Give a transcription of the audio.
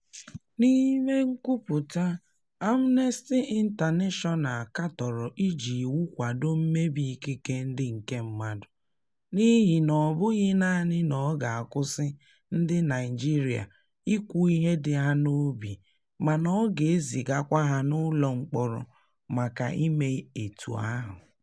N'ime nkwupụta, Amnesty International katọrọ iji "iwu kwado mmebi ikike ndị nke mmadụ" n'ihi na ọ bụghị naanị na ọ ga-akwụsị ndị Naịjirịa "ikwu ihe dị ha n'obi" mana "ọ ga-ezigakwa ha n'ụlọ mkpọrọ maka ime etu ahụ".